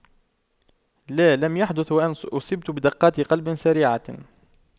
لا لم يحدث وأن اصبت بدقات قلب سريعة